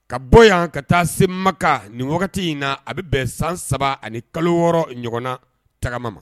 Ka bɔ yan ka taa se maka nin wagati in na a bɛ bɛn san saba ani kalo wɔɔrɔ ɲɔgɔn na tagama ma